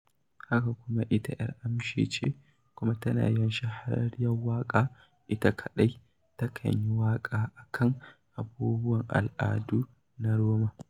Haka kuma ita 'yar amshi ce kuma tana yin shahararriyar waƙa ita kaɗai, takan yi waƙa a kan abubuwan al'adunta na Roma.